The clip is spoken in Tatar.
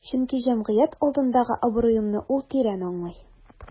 Чөнки җәмгыять алдындагы абруемны ул тирән аңлый.